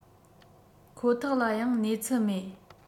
ཁོ ཐག ལ ཡང གནས ཚུལ མེད